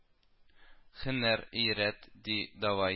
Һөнәр, өйрәт, ди, давай